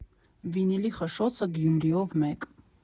Վինիլի խշշոցը Գյումրիով մեկ։